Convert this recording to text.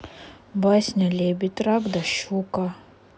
басня лебедь рак да щука